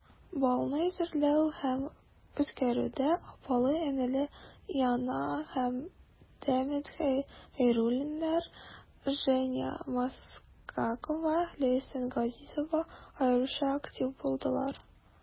Балны әзерләү һәм үткәрүдә апалы-энеле Яна һәм Демид Хәйруллиннар, Женя Максакова, Ләйсән Газизова аеруча актив булдылар.